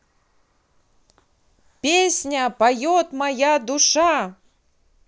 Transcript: песня поет моя душа